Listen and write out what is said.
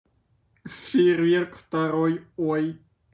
фейерверк второй ой